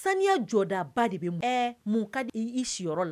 Saniya jɔdaba de bɛ mu ka di i i siyɔrɔ la